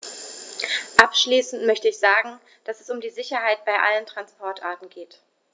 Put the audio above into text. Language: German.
Abschließend möchte ich sagen, dass es um die Sicherheit bei allen Transportarten geht.